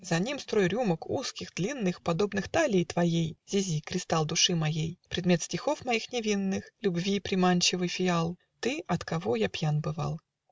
За ним строй рюмок узких, длинных, Подобно талии твоей, Зизи, кристалл души моей, Предмет стихов моих невинных, Любви приманчивый фиал, Ты, от кого я пьян бывал!